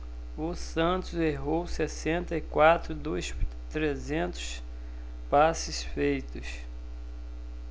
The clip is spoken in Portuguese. o santos errou sessenta e quatro dos trezentos passes feitos